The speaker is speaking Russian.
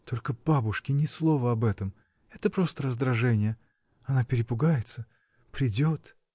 Только бабушке ни слова об этом!. Это просто раздражение. Она перепугается. придет.